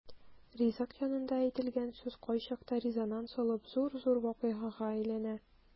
Ризык янында әйтелгән сүз кайчакта резонанс алып зур-зур вакыйгага әйләнә.